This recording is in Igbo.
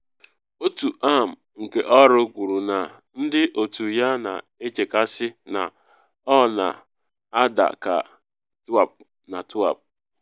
Otu AM nke Labour kwuru na ndị otu ya na echekasị na “ọ na ada ka Twp na Pwp.”